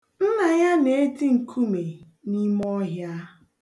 Nna ya na-eti nkume n'ime ọhịa.